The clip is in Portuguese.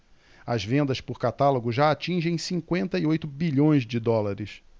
as vendas por catálogo já atingem cinquenta e oito bilhões de dólares